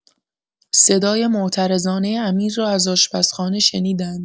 صدای معترضانۀ امیر را از آشپزخانه شنیدند.